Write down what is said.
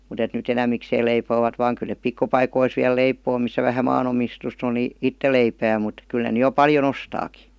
mutta että nyt enemmikseen leipovat vain kyllä ne pikkupaikoissa vielä leipoo missä vähän maanomistusta on niin itse leipää mutta kyllä ne nyt jo paljon ostaakin